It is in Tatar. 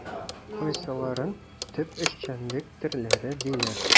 Кайсыларын төп эшчәнлек төрләре диләр?